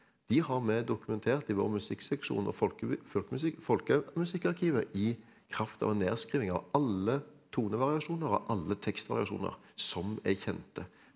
de har vi dokumentert i vår musikkseksjon og folkemusikkarkivet i kraft av en nedskriving av alle tonevariasjoner og alle tekstvariasjoner som er kjente.